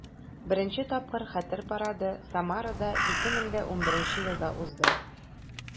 Беренче тапкыр Хәтер парады Самарада 2011 елда узды.